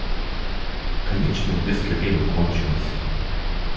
конечно детское время кончилось